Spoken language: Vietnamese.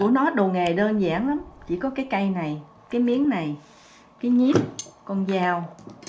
của nó đồ nghề đơn giản lắm chỉ có cái cây này cái miếng này cái nhíp con dao